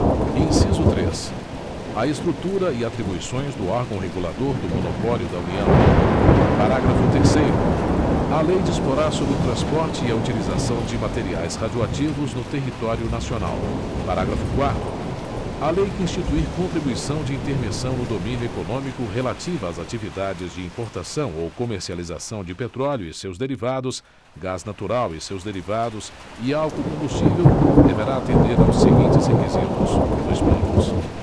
inciso três a estrutura e atribuições do órgão regulador do monopólio da união parágrafo terceiro a lei disporá sobre o transporte e a utilização de materiais radioativos no território nacional parágrafo quarto a lei que instituir contribuição de intervenção no domínio econômico relativa às atividades de importação ou comercialização de petróleo e seus derivados gás natural e seus derivados e álcool combustível deverá atender aos seguintes requisitos dois pontos